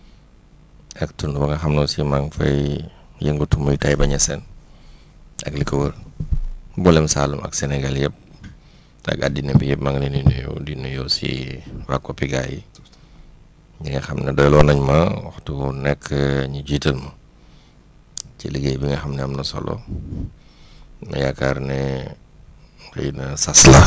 ak tunda ba nga xam ne aussi maa ngi fay yëngatu muy Taïba Niassène ak li ko wër mboolem Saloum ak sénégalais yëpp azk àddina bi yëpp maa ngi leen di nuyu di nuyu aussi waa COPEGA yi ñi nga xam ne daloo nañ ma waxtu bu nekk ñu jiital ma ci liggéey bi nga xam ne am na solo ma yaakaar ne xëy na sax la